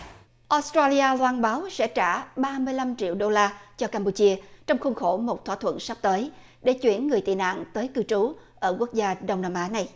ốt choa li a loan báo sẽ trả ba mươi lăm triệu đô la cho cam pu chia trong khuôn khổ một thỏa thuận sắp tới để chuyển người tị nạn tới cư trú ở quốc gia đông nam á này